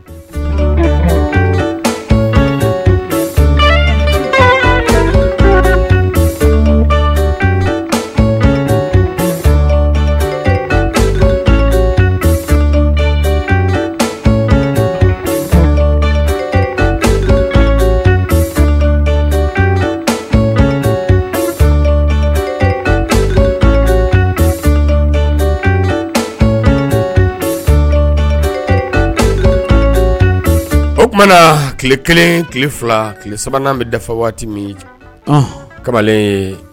O tumaumana na tile kelen tile fila tile sabanan bɛ dafa waati min kamalen